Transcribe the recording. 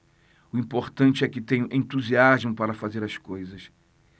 o importante é que tenho entusiasmo para fazer as coisas